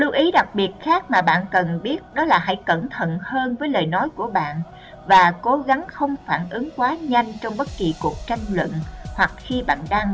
một lưu ý đặc biệt khác mà bạn cần biết đó là hãy cẩn thận hơn với lời nói của bạn và cố gắng không phản ứng quá nhanh trong bất kỳ cuộc tranh luận hoặc khi bạn đang bị khiêu khích